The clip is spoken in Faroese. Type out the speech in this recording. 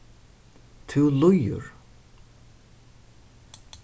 tú lýgur